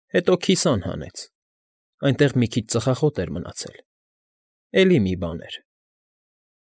Հետո քիսան հանեց, այնտեղ մի քիչ ծխախոտ էր մնացել՝ էլի մի բան էր։